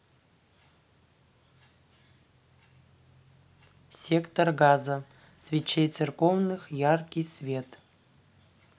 сектор газа свечей церковных яркий свет